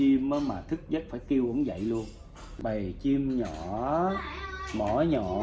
chim á mà thức giấc phải kêu ổng dậy luôn bầy chim nhỏ mỏ nhỏ